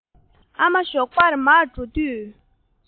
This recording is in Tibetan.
ཨ མ ཞོགས པར མར འགྲོ དུས